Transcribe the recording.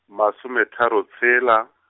masometharo tshela.